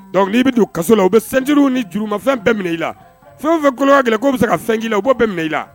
Dɔnku ii bɛ kaso la u bɛ sinciw ni juru ma fɛn bɛɛ minɛ i la fɛn bɛ kolo kɛ k' bɛ se ka fɛn kelen la o' bɛ min i la